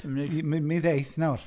M- mi ddeith nawr.